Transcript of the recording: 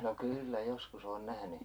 no kyllä joskus olen nähnyt